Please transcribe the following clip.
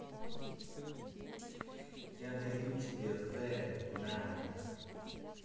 я дарю тебе the на